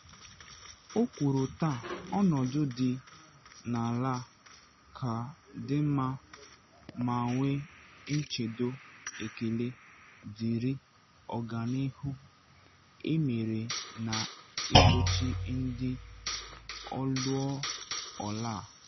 O kwuru “taa ọnọdụ dị n’ala ka dị mma ma nwee nchedo, ekele dịịrị ọganihu emere na igbochi ndị ọlụọ ọlaa,”.